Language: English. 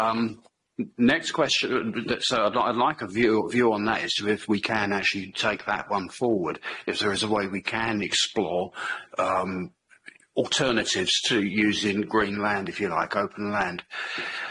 Yym, next question w- d- so I'd like a view view on that as to if we can actually take that one forward if there is a way we can explore yym alternatives to using green land if you like open land.